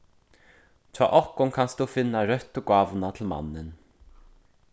hjá okkum kanst tú finna røttu gávuna til mannin